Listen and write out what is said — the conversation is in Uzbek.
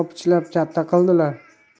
opichlab katta qildilar